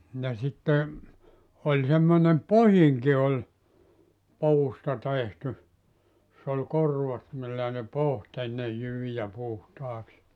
ja sitten oli semmoinen pohdinkin oli puusta tehty jossa oli korvat millä ne pohti ennen jyviä puhtaaksi